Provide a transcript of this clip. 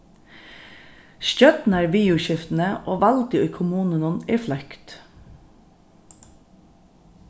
stjórnarviðurskiftini og valdið í kommununum er fløkt